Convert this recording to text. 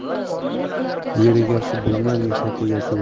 yer egasi bo'lma mehnat egasi bo'l